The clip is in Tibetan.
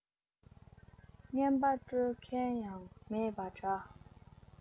རྔན པ སྤྲོད མཁན ཡང མེད པ འདྲ